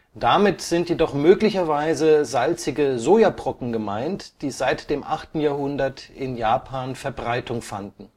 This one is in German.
Damit sind jedoch möglicherweise salzige Sojabrocken gemeint, die seit dem 8. Jahrhundert in Japan Verbreitung fanden